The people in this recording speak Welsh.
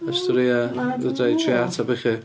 Y storïau fedra i trio ateb i chi.